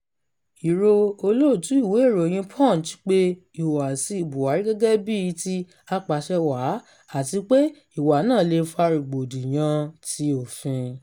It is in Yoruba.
Ìrò olóòtú ìwé ìròyìn Punch pe ìhùwàsíi Buhari gẹ́gẹ́ bíi ti apàṣẹ-wàá àti pé ìwà náà lè fa rògbòdìyàn-an ti òfin: